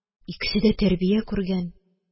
Икесе дә тәрбия күргән